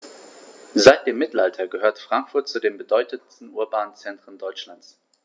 Seit dem Mittelalter gehört Frankfurt zu den bedeutenden urbanen Zentren Deutschlands.